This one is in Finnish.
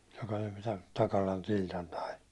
joka tämän Takalan Tiltan nai